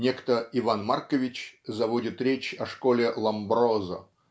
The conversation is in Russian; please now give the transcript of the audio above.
некто Иван Маркович заводит речь о школе Ломброзо